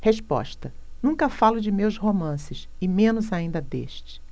resposta nunca falo de meus romances e menos ainda deste